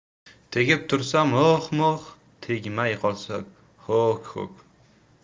tegib tursa mo'h mo'h tegmay qolsa ho'k ho'k